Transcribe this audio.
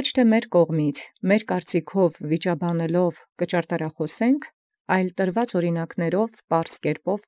նշանակել զվարս արանցն կատարելոց, ոչ ի մէնջ արուեստախաւսեալ մերոյն կարծեաւք վիճաբանելով, այլ յաւրինակացն տուելոց զընդդիմակացն։